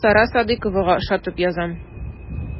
Сара Садыйковага ошатып язам.